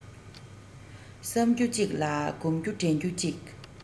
བསམ རྒྱུ གཅིག ལ བསྒོམ རྒྱུ དྲན རྒྱུ གཅིག